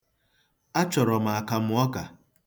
Achọrọ m akamụ ọka.